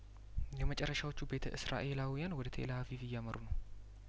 የመጨረሻዎቹ ቤተ እስራኤላውያን ወደ ቴልአቪቭ እያመሩ ነው